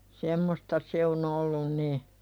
semmoista se on ollut niin